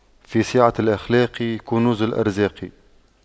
في سعة الأخلاق كنوز الأرزاق